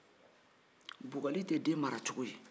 bugɔli tɛ den mara cogo ye